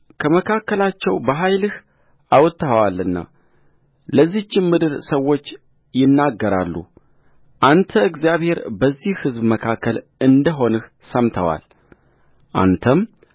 ከመካከላቸው በኃይልህ አውጥተኸዋልናለዚችም ምድር ሰዎች ይናገራሉ አንተ እግዚአብሔር በዚህ ሕዝብ መካከል እንደ ሆንህ ሰምተዋል አንተም